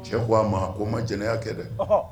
Cɛ ko a ma ko ma jɛnɛya kɛ dɛ